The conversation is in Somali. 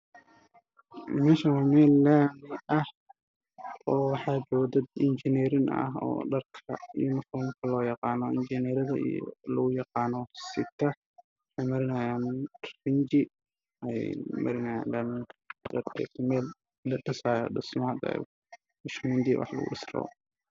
Waxaa ii muuqda nin waxa uu wataa shati cagaar ah waxa uu rinayaa meel nimanka ayaa ka dambeeyay